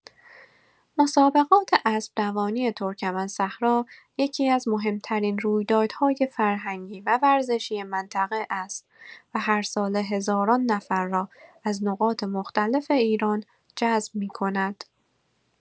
مسابقات اسب‌دوانی ترکمن‌صحرا یکی‌از مهم‌ترین رویدادهای فرهنگی و ورزشی منطقه است و هر ساله هزاران نفر را از نقاط مختلف ایران جذب می‌کند.